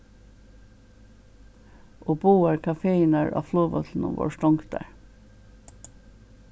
og báðar kafeirnar á flogvøllinum vóru stongdar